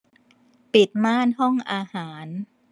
ปิดม่านห้องอาหาร